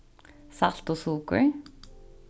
salt og sukur